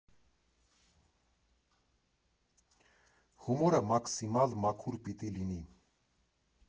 Հումորը մաքսիմալ մաքուր պիտի լինի։